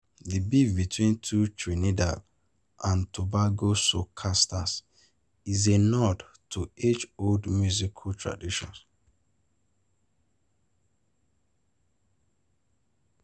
The beef between two Trinidad and Tobago soca stars is a nod to age-old musical traditions